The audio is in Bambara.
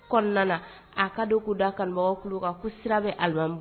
Kɔnɔna kɔnɔna a ka denw ko da kanubagaw kan ko sira bɛ alimamu